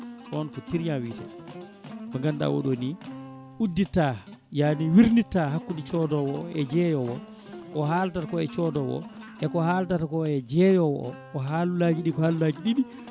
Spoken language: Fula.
on ko truand wiyete mo ganduɗa oɗo ni udditta yaani wirnitta hakkude codowo o e jeeyowo o o haldata koye codowo o e ko haldata ko e jeeyowo o ko haalullaji ɗi ko haalullaji ɗiɗi